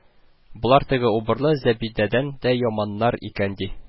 Болар теге убырлы Зәбидәдән дә яманнар икән, ди